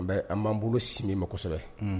Bɛ an b'an bolo si ma kosɛbɛ